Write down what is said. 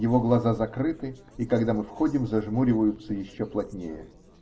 его глаза закрыты и, когда мы входим, зажмуриваются еще плотнее.